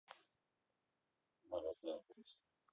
балетная песня